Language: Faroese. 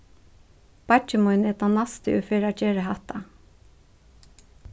beiggi mín er tann næsti ið fer at gera hatta